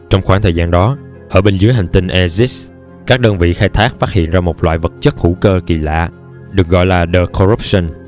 trong khoảng thời gian đó ở bên dưới hành tinh aegis các đơn vị khai thác phát hiện ra một loại vật chất hữu cơ kỳ lạ được gọi là the corruption